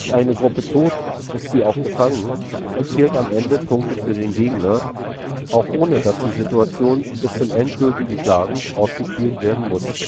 eine Gruppe tot, ist sie auch gefangen und zählt am Ende Punkte für den Gegner, auch ohne dass die Situation bis zum endgültigen Schlagen ausgespielt werden muss